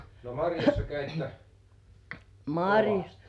no marjassa kävitte kovasti